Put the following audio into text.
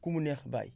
ku mu neex bàyyi